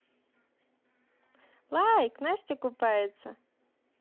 лайк настя купается